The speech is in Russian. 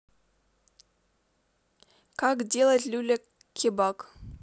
как делать люля кебаб